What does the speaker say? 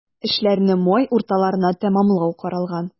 Эшләрне май урталарына тәмамлау каралган.